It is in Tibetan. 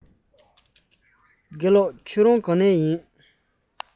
རྒན ལགས ཁྱེད རང ག ནས ཡིན ན